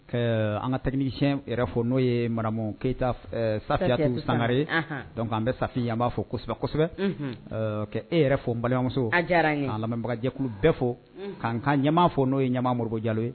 An kayɛn yɛrɛ fɔ n'o ye mara keyita saya sari anan bɛ sa ye an b'a fɔsɛbɛsɛbɛ ka e yɛrɛ fɔ n balimamuso'abagajɛkulu bɛɛ fo ka'an ka ɲɛmaa fɔ n'o ye ɲama mori jalo ye